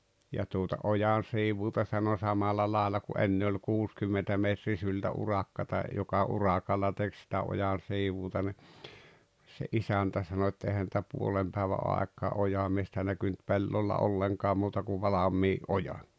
ja tuota ojansiivuuta sanoi samalla lailla kuin ennen oli kuusikymmentä metrisyltä urakkaa joka urakalla teki sitä ojansiivuuta niin se isäntä sanoi et eihän sitä puolen päivän aikaan ojamiestä näkynyt pellolla ollenkaan muuta kuin valmiin ojan